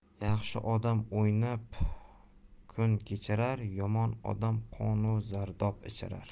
yaxshi odam o'ynab kuhb kecbirar yomon odam qon u zardob ichirar